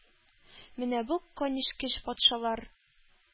Менә бу канечкеч патшалар,